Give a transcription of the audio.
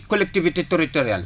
collectivité térritoriale